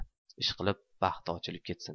ishqilib baxti ochilib ketsin